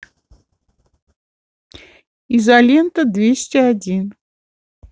изолента двести один